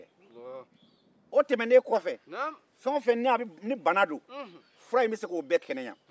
o tɛmɛnen kɔfɛ fɛn o fɛn ye bana ye fura in b'o bɛɛ furakɛ